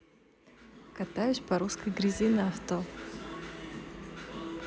катаюсь по русской грязи на авто